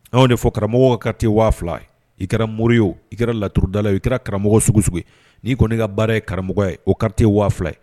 Anw y'o de fɔ karamɔgɔ ka carte ye 2000 i kɛra mori ye , i kɛra laturudala ye; i kɛra karamɔgɔ sugu o sugu ye, n'i kɔni ne ka baara ye karamɔgɔ ye o carte ye 2000 ye!